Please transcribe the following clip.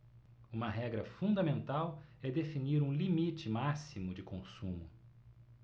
uma regra fundamental é definir um limite máximo de consumo